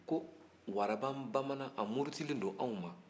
ko warabanbamanan a murutilen don anw ma